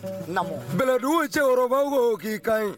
Bɛlɛdugu cɛkɔrɔbaw ko k'i ka ɲi